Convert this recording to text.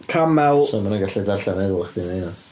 Camel... So maen nhw'n gallu darllen meddwl chdi fo rheina.